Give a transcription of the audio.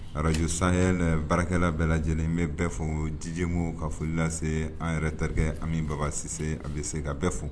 Arajo sanyɛlɛ baarakɛla bɛɛ lajɛlen bɛ bɛɛ fɔ dijmu ka foli lase an yɛrɛ terikɛ ani babasi a bɛ se ka bɛɛ fo